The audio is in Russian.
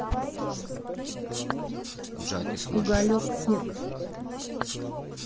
уголек хек